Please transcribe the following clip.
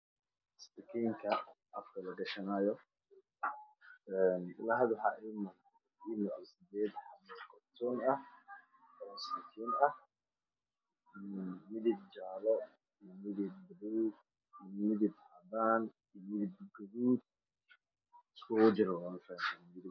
Meeshan waxaa yaalo caadada yaryar ku jiraan wax ula ula ah waana isla soo saaran yihiin wararka kadooda waa qaxoo gudub madow